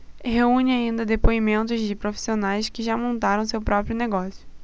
reúne ainda depoimentos de profissionais que já montaram seu próprio negócio